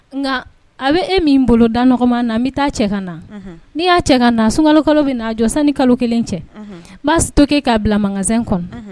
Nka a bɛ e min bolo da nɔgɔma na n bɛ taa cɛ ka na n'i y'a cɛ ka na sunkalo kalo bɛ'a jɔ sanni kalo kelen cɛ b'a to k kɛ k ka bila mankansɛn kɔnɔ